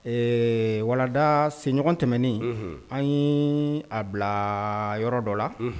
Ee walada seɲɔgɔn tɛmɛnen an ye a bila yɔrɔ dɔ la